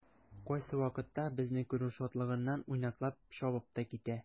Кайсы вакытта безне күрү шатлыгыннан уйнаклап чабып та китә.